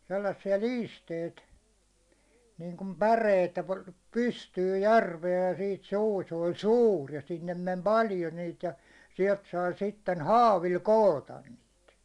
sellaisia liisteitä niin kuin päreitä että - pystyyn järveen ja sitten suu se oli suuri ja sinne meni paljon niitä ja sieltä sai sitten haavilla koota niitä